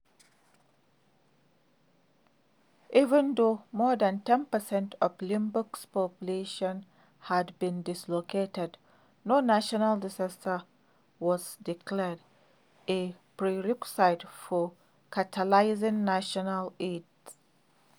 Even though more than 10 percent of Lombok's population had been dislocated, no national disaster was declared, a prerequisite for catalyzing international aid.